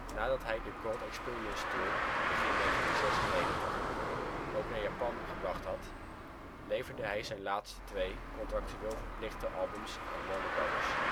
Nadat hij de The Gold Experience Tour begin 1996 ook naar Japan gebracht had, leverde hij zijn laatste twee contractueel verplichte albums aan Warner Brothers